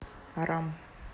арам